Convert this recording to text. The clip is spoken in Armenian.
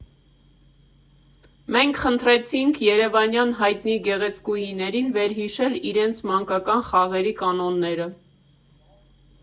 Մենք խնդրեցինք երևանյան հայտնի գեղեցկուհիներին վերհիշել իրենց մանկական խաղերի կանոնները։